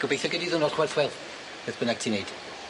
Gobeithio gei di ddyrnod chwerth weil, beth bynnag ti'n neud.